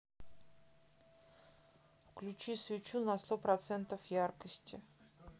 включи свечу на сто процентов яркости